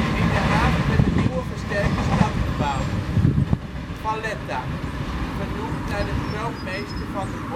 In de haven werd een nieuwe versterkte stad gebouwd, Valletta, vernoemd naar de grootmeester van de